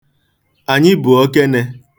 Anyị bụ okene.